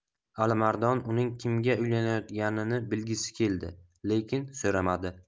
alimardon uning kimga uylanayotganini bilgisi keldi lekin so'ramadi